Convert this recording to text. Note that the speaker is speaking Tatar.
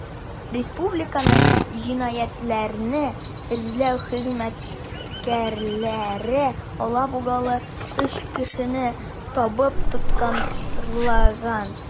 Республиканың җинаятьләрне эзләү хезмәткәрләре алабугалы 3 кешене табып тоткарлаган.